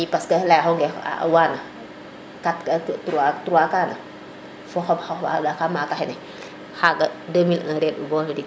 i parce leya xoŋe wana 4 3 3 kana fo xa pot xa maka xene xaga 2001 reeɗ u bo ndik